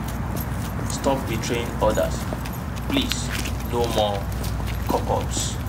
Stop betraying others, please no more cuckolds.